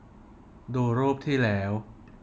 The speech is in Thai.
ดูรูปที่แล้ว